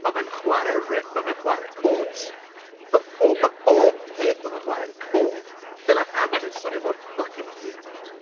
Ma' fe'n chwar'e ri- ma' fe'n chwar'e cords. Ie ie ie. Ma pob... Ie. ...ma' pob peth ma' fe'n chwar'e'n cord. Dyna pam... ...odd e'n swnio mor ffycin hiwj.